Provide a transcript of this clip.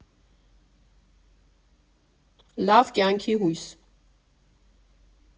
֊Լավ կյանքի հույս…